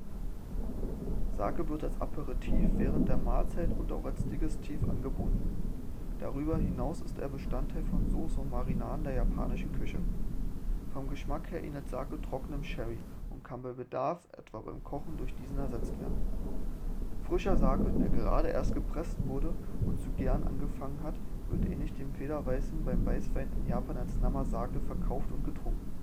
Sake wird als Aperitif, während der Mahlzeit und auch als Digestif angeboten. Darüber hinaus ist er Bestandteil von Soßen und Marinaden der japanischen Küche. Vom Geschmack her ähnelt Sake trockenem Sherry und kann bei Bedarf – etwa beim Kochen – durch diesen ersetzt werden. Frischer Sake, der gerade erst gepresst wurde und zu gären angefangen hat, wird, ähnlich dem Federweißen beim Weißwein, in Japan als Namazake (生酒) verkauft und getrunken